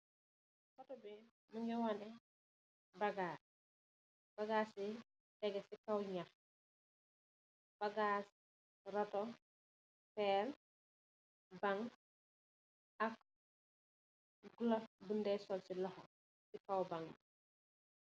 Foto bii mungee wane ay bagaas. Bagaas bi tegee si kow ñax. Bagaas, rato, pale, bañg, gulof buñyuy sol si loxo si kow bañg.